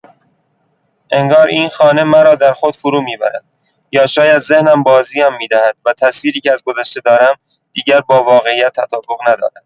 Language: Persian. انگار این خانه مرا در خود فرومی‌برد، یا شاید ذهنم بازی‌ام می‌دهد و تصویری که از گذشته دارم، دیگر با واقعیت تطابق ندارد.